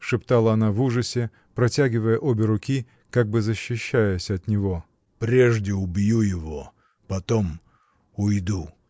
— шептала она в ужасе, протягивая обе руки, как бы защищаясь от него. — Прежде убью его, потом. уйду!